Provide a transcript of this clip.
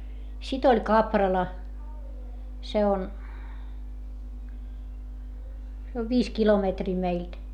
sitten oli Kaprala se on se on viisi kilometriä meiltä